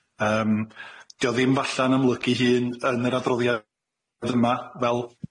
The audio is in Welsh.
Yym, 'di o ddim falla'n amlygu 'i hun yn yr adroddiad yma fel-